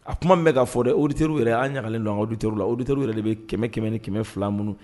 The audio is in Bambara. A kuma bɛ ka fɔ dɛ o terirw yɛrɛ an ɲagakalen don terir la oter yɛrɛ de bɛ kɛmɛ kɛmɛ ni kɛmɛ fila minnu